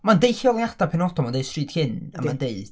Mae'n deud lleoliadau penodol. Mae'n deud Stryd Llyn a mae'n deud...